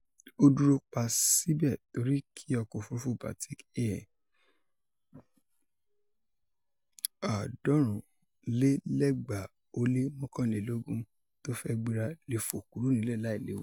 Ó dúró pa síbẹ̀ torí kí ọkọ̀-òfúrufú Batik Air 6321, tó fẹ́ gbéra, lè fò kúrò nílẹ̀ láì léwu.